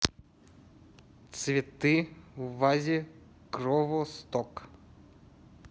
цветы в вазе кровосток